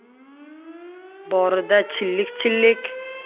borida chilik chilik